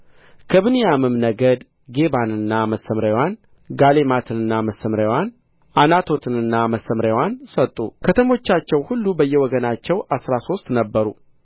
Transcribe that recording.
ከብንያምም ነገድ ጌባንና መሰምርያዋን ጋሌማትንና መሰምርያዋን ዓናቶትንና መሰምርያዋን ሰጡ ከተሞቻተው ሁሉ በየወገናቸው አሥራ ሦስት ነበሩ